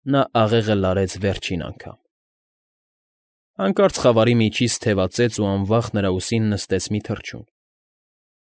Նա աղեղը լարեց վերջին անգամ։ Հանկարծ խավարի միջից թևածեց ու անվախ նրա ուսին նստեց մի թռչուն։